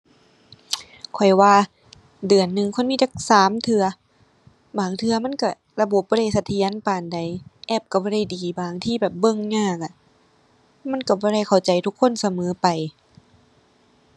ข้อยว่าเดือนหนึ่งควรมีจักสามเทื่อ บางเทื่อมันก็ระบบบ่ได้เสถียรปานใด แอปก็บ่ได้ดี บางทีแบบเบิ่งยากอะ มันก็บ่ได้เข้าใจทุกคนเสมอไป